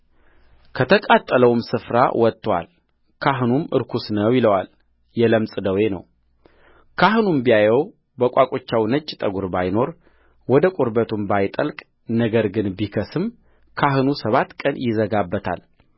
ከተቃጠለውም ስፍራ ወጥቶአል ካህኑም ርኩስ ነው ይለዋል የለምጽ ደዌ ነውካህኑም ቢያየው በቋቁቻውም ነጭ ጠጕር ባይኖር ወደ ቁርበቱም ባይጠልቅ ነገር ግን ቢከስም ካህኑ ሰባት ቀን ይዘጋበታል